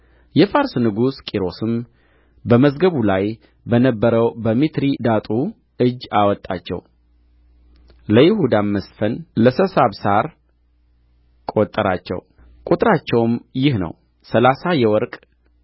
የፋርስ ንጉሥ ቂሮስም በመዝገቡ ላይ በነበረው በሚትሪዳጡ እጅ አወጣቸው ለይሁዳም መስፍን ለሰሳብሳር ቈጠራቸው ቍጥራቸውም ይህ ነው ሠላሳ የወርቅ